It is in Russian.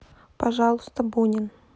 пожалуйста бунин